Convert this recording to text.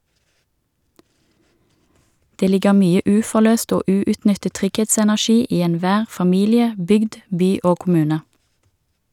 Det ligger mye uforløst og uutnyttet trygghetsenergi i enhver familie, bygd, by og kommune.